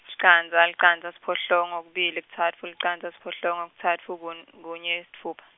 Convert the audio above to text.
licandza, licandza, siphohlongo, kubili, kutsatfu, licandza, siphohlongo, kutsatfu kun-, kunye, sitfupha.